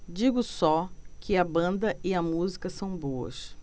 digo só que a banda e a música são boas